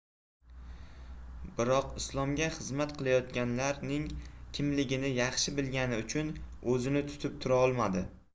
biroq islomga xizmat qilayotganlar ning kimligini yaxshi bilgani uchun o'zini tutib turolmadi